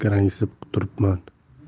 bilmay garangsib turibman